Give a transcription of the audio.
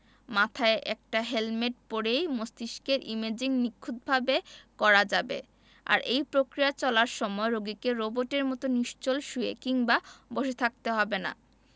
মাথায় একটা হেলমেট পরেই মস্তিষ্কের ইমেজিং নিখুঁতভাবে করা যাবে আর এই প্রক্রিয়া চলার সময় রোগীকে রোবটের মতো নিশ্চল শুয়ে কিংবা বসে থাকতে হবে না